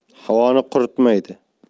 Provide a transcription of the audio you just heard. havoni quritmaydi